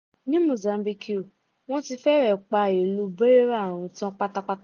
Ní Mozambique, wọ́n ti fẹ́rẹ̀ pa ìlú Beira run tán pátápátá.